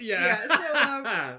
Ie.